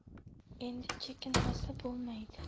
endi chekinmasa bo'lmaydi